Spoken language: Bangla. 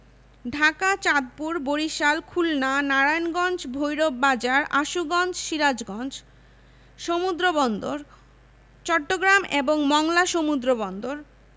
ঢাকা চাঁদপুর বরিশাল খুলনা নারায়ণগঞ্জ ভৈরব বাজার আশুগঞ্জ সিরাজগঞ্জ সমুদ্রবন্দরঃ চট্টগ্রাম এবং মংলা সমুদ্রবন্দর